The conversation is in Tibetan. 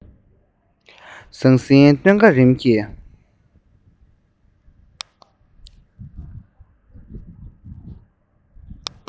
ཟང ཟིང གི སྟོན ཀ རིམ གྱིས